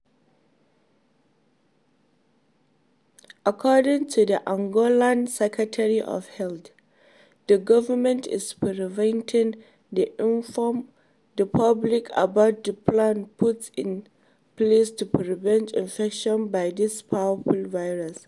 According to the Angolan Secretary of Health, the government is preparing to inform the public about the plan put in place to prevent infection by this powerful virus.